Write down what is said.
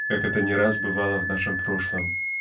как это не раз бывало в нашем прошлом